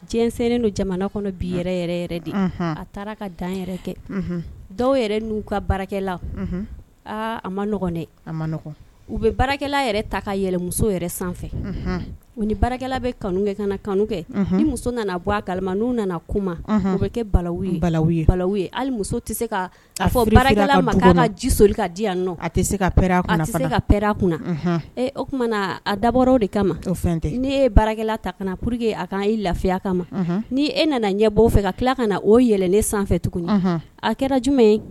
Den jamana kɔnɔ de a taara ka dan yɛrɛ kɛ dɔw n ka barakɛ a ma u bɛ bara ta kamuso sanfɛ bara bɛ kanu kɛ ka kanu kɛ ni muso nana bɔ a kala' nana kuma o bɛ kɛ bala hali muso tɛ se fɔ ma k'a ka ji soli ka di yan ka kunna o t a dabɔw de kama ne ye barakɛla ta ka na p que a ka i lafiya kama ma ni e nana ɲɛ b' fɛ ka tila ka o yɛlɛlen sanfɛ tuguni a kɛra jumɛn ye